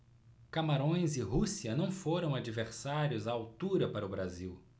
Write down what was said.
camarões e rússia não foram adversários à altura para o brasil